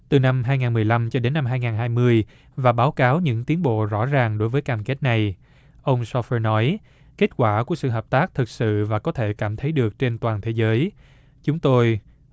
từ năm hai ngàn mười lăm cho đến năm hai ngàn hai mươi và báo cáo những tiến bộ rõ ràng đối với cam kết này ông so phơ nói kết quả của sự hợp tác thực sự và có thể cảm thấy được trên toàn thế giới chúng tôi